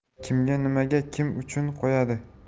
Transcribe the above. kimga nimaga kim uchun qo'yadi